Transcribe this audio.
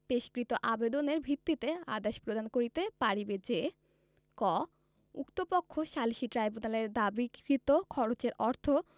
পেশকৃত আবেদনের ভিত্তিতে আদেশ প্রদান করিতে পারিবে যে ক উক্ত পক্ষ সালিসী ট্রাইব্যুনালের দাবীকৃত খরচের অর্থ